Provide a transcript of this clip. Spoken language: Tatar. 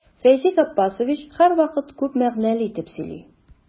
Фәйзи Габбасович һәрвакыт күп мәгънәле итеп сөйли.